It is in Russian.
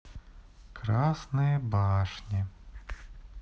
красные башни